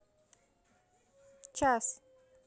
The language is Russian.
час